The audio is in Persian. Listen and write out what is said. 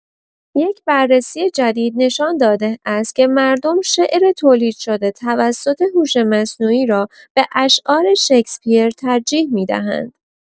یک بررسی جدید نشان داده است که مردم شعر تولیدشده توسط هوش مصنوعی را به اشعار شکسپیر ترجیح می‌دهند.